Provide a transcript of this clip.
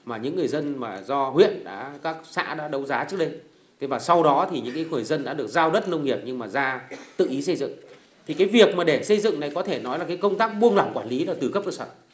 mà những người dân mà do huyện đã các xã đã đấu giá trước đây và sau đó thì những người dân đã được giao đất nông nghiệp nhưng mà ra tự ý xây dựng thì cái việc mà để xây dựng này có thể nói là cái công tắc buông lỏng quản lý từ cấp cơ sở